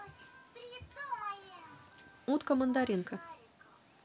утка мандаринка